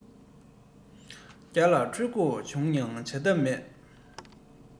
བརྒྱ ལ འཁྲུག དགོས བྱུང ཡང བྱ ཐབས མེད